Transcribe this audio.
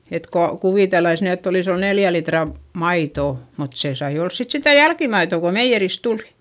että kun kuviteltaisiin nyt että olisi ollut neljä litraa maitoa mutta se sai olla sitten sitä jälkimaitoa kun meijeristä tuli